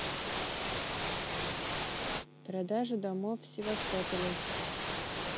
продажа домов в севастополе